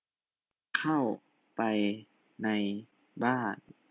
เข้าไปในบ้าน